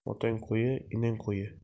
otang qui enang qui